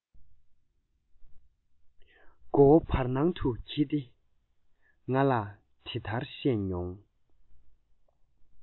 མགོ བོ བར སྣང དུ དགྱེ སྟེ ང ལ དེ ལྟར བཤད མྱོང